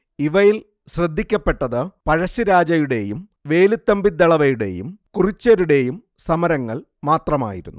ഇവയിൽ ശ്രദ്ധിക്കപ്പെട്ടത് പഴശ്ശിരാജയുടേയും വേലുത്തമ്പിദളവയുടേയും കുറിച്യരുടേയും സമരങ്ങൾ മാത്രമായിരുന്നു